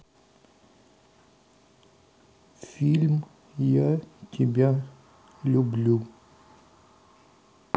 фильм я тебя люблю